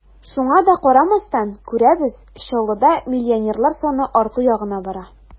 Шуңа да карамастан, күрәбез: Чаллыда миллионерлар саны арту ягына бара.